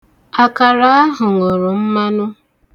Akara ahụ ṅụrụ mmanụ.